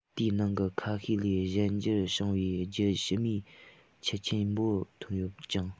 དེའི ནང གི ཁ ཤས ལས གཞན འགྱུར བྱུང བའི རྒྱུད ཕྱི མའི ཁྱུ ཆེན པོ ཐོན ཡོད ཅིང